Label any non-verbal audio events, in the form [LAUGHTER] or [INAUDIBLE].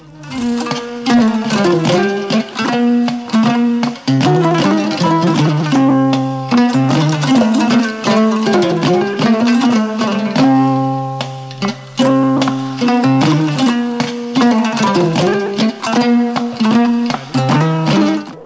[MUSIC]